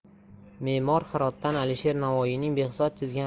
memor hirotdan alisher navoiyning behzod chizgan